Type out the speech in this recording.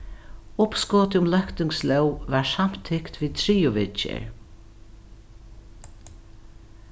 uppskotið um løgtingslóg varð samtykt við triðju viðgerð